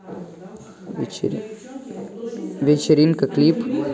вечериночка клип